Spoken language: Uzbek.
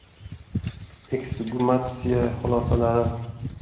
eksgumatsiya xulosalari